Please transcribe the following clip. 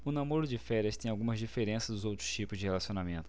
o namoro de férias tem algumas diferenças dos outros tipos de relacionamento